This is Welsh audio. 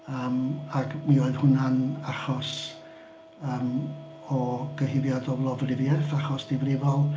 Yym ac mi oedd hwnna'n achos yym o gyhuddiad o lofruddiaeth, achos difrifol.